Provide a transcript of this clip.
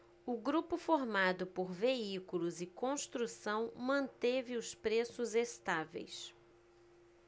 o grupo formado por veículos e construção manteve os preços estáveis